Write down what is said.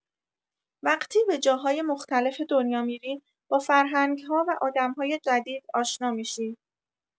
وقتی به جاهای مختلف دنیا می‌ری، با فرهنگ‌ها و آدم‌های جدید آشنا می‌شی.